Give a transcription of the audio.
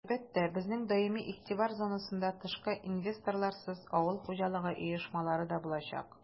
Әлбәттә, безнең даими игътибар зонасында тышкы инвесторларсыз авыл хуҗалыгы оешмалары да булачак.